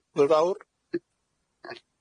Hwyl fawr.